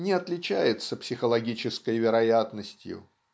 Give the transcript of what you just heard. не отличается психологической вероятностью.